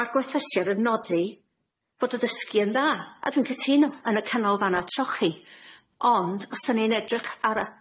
Ma'r gwerthusiad yn nodi fod y ddysgu yn dda, a dwi'n cytuno yn y Canolfanna Trochi, ond os 'dan ni'n edrych ar yy